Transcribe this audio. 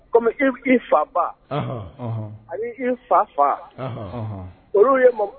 I fa ba ani i fa fa olu ye ma